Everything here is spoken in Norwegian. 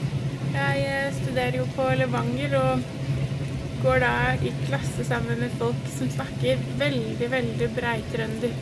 Jeg studerer jo på Levanger og går da i klasse sammen med folk som snakker veldig, veldig brei-trønder.